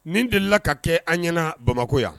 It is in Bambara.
Nin delila ka kɛ an ɲɛna bamakɔ yan